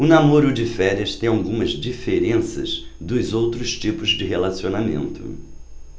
o namoro de férias tem algumas diferenças dos outros tipos de relacionamento